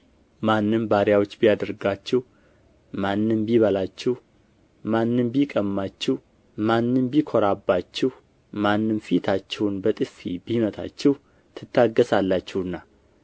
ማንም ባሪያዎች ቢያደርጋችሁ ማንም ቢበላችሁ ማንም ቢቀማችሁ ማንም ቢኮራባችሁ ማንም ፊታችሁን በጥፊ ቢመታችሁ ትታገሣላችሁና